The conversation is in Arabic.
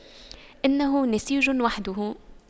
إنه نسيج وحده